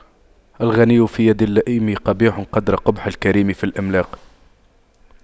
الغنى في يد اللئيم قبيح قدر قبح الكريم في الإملاق